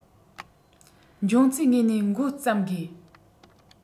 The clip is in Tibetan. འབྱུང རྩའི ངོས ནས འགོ བརྩམ དགོས